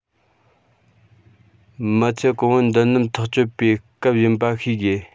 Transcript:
མིའི ཚེ གང བོའི མདུན ལམ ཐག གཅོད པའི སྐབས ཡིན པ ཤེས དགོས